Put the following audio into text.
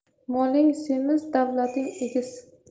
moling semiz davlating egiz